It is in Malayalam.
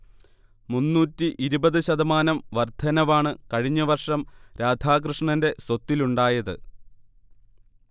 മുന്നൂറ്റി ഇരുപത് ശതമാനം വർദ്ധനവാണ് കഴിഞ്ഞ വർഷം രാധാകൃഷ്ണന്റെ സ്വത്തിലുണ്ടായത്